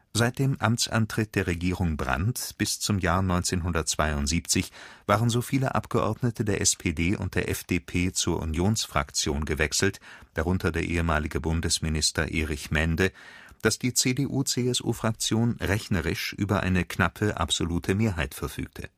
Seit dem Amtsantritt der Regierung Brandt bis zum Jahr 1972 waren so viele Abgeordnete der SPD und der FDP zur Unionsfraktion gewechselt (darunter der ehemalige Bundesminister Erich Mende), dass die CDU/CSU-Fraktion rechnerisch über eine knappe absolute Mehrheit verfügte